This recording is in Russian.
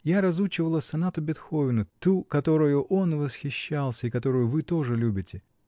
Я разучивала сонату Бетховена, ту, которою он восхищался и которую вы тоже любите.